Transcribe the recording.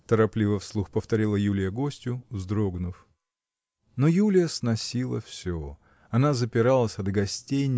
– торопливо, вслух повторила Юлия гостю, вздрогнув. Но Юлия сносила все. Она запиралась от гостей